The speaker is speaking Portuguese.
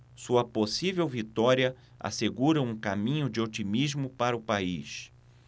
sua possível vitória assegura um caminho de otimismo para o país